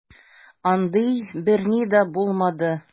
Андый берни дә булмады.